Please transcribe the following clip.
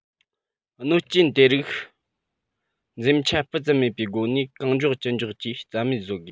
གནོད རྐྱེན དེ རིགས འཛེམ ཆ སྤུ ཙམ མེད པའི སྒོ ནས གང མགྱོགས ཅི མགྱོགས ཀྱིས རྩ མེད བཟོ དགོས